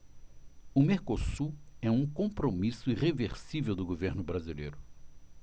o mercosul é um compromisso irreversível do governo brasileiro